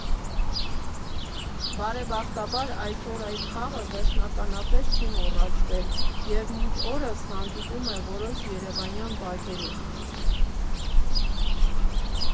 Բարեբախտաբար, այսօր այդ խաղը վերջնականապես չի մոռացվել և մինչ օրս հանդիպում է որոշ երևանյան բակերում։